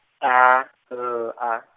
A, L A.